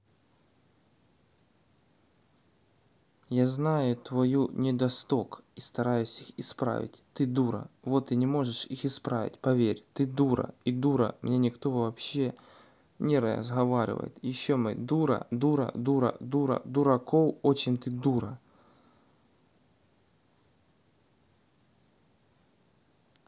я знаю твою недосток и стараюсь их исправить ты дура вот и не можешь их исправить поверь ты дура и дура мне никто вообще не разговаривает еще мы дура дура дура дура дураков очень ты дура